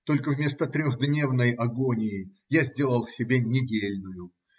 Только вместо трехдневной агонии я сделал себе недельную.